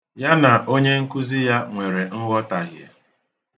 Ya na onye nkuzi ya nwere nghọtahie.